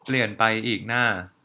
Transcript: เปลี่ยนไปอีกหน้า